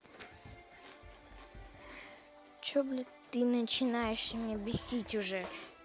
че блядь ты начнешь мне бесить уже